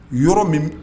Yɔrɔ min